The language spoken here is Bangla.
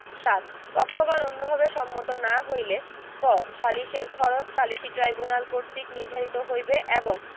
৭ পক্ষগণ অন্যভাবে সম্মত না হইলে ক সালিসের খরচ সালিসী ট্রাইব্যুনাল কর্তৃক নির্ধারিত হইবে এবং